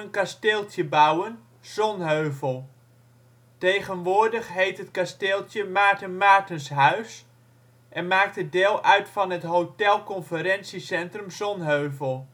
kasteeltje bouwen: Zonheuvel. Tegenwoordig heet het kasteeltje Maarten Maartenshuis en maakt het deel uit van het Hotel-Conferentiecentrum Zonheuvel